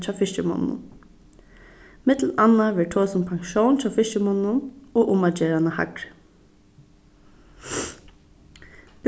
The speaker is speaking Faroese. hjá fiskimonnunum millum annað verður tosað um pensjón hjá fiskimonnum og um at gera hana hægri